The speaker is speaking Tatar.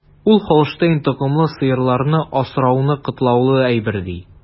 Ул Һолштейн токымлы сыерларны асрауны катлаулы әйбер, ди.